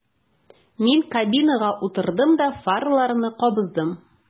Мин кабинага утырдым да фараларны кабыздым.